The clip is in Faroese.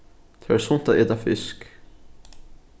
tað er sunt at eta fisk